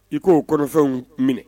I k'o kɔnɔfɛnw minɛ